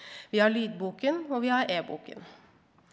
vi har lydboken og vi har e-boken.